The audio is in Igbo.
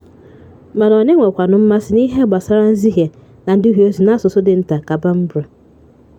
Mana onye nwekwanụ mmasị n'ihe mgbasara nzihe na nduhe ozi n'asụsụ dị nta ka Bambara?